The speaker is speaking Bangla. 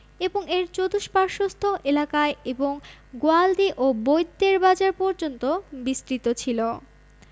এবং এর চতুষ্পার্শ্বস্থ এলাকায় এবং গোয়ালদি ও বৈদ্যের বাজার পর্যন্ত বিস্তৃত ছিল